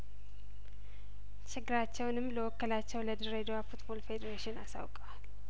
ችግራቸውንም ለወከላቸው ለድሬዳዋ ፉትቦል ፌዴሬሽን አሳው ቀዋል